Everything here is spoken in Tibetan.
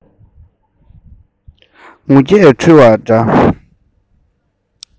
ངུ སྐད ལ འཁྲུལ བ འདྲ